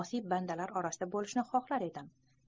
osiy bandalar orasida bo'lishni xohlar edim